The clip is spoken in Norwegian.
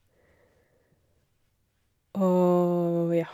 Og, ja.